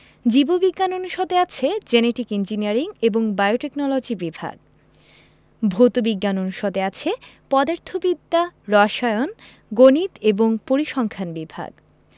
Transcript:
জীব বিজ্ঞান অনুষদে আছে জেনেটিক ইঞ্জিনিয়ারিং এবং বায়োটেকনলজি বিভাগ ভৌত বিজ্ঞান অনুষদে আছে পদার্থবিদ্যা রসায়ন গণিত এবং পরিসংখ্যান বিভাগ